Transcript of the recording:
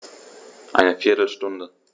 Eine viertel Stunde